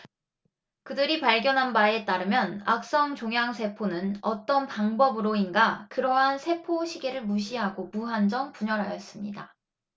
그들이 발견한 바에 따르면 악성 종양 세포는 어떤 방법으로인가 그러한 세포 시계를 무시하고 무한정 분열하였습니다